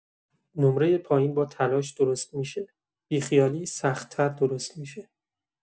نمره پایین با تلاش درست می‌شه، بی‌خیالی سخت‌تر درست می‌شه.